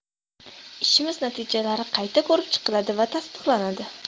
ishimiz natijalari qayta ko'rib chiqiladi va tasdiqlanadi